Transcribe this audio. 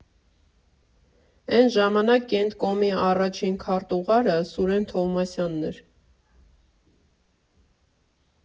Էն ժամանակ Կենտկոմի առաջին քարտուղարը Սուրեն Թովմասյանն էր։